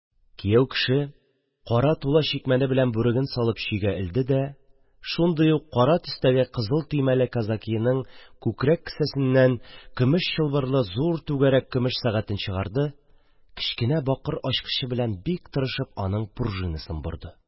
Кияү кеше кара тула чикмәне белән бүреген салып чөйгә элде дә, шундый ук кара төстәге кызыл төймәле кәзәкиенең күкрәк кесәсеннән көмеш чылбырлы зур түгәрәк көмеш сәгатен чыгарды, кечкенә бакыр ачкычы белән бик тырышып аның пружинын борды.